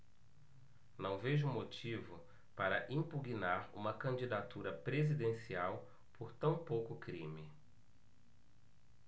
não vejo motivo para impugnar uma candidatura presidencial por tão pouco crime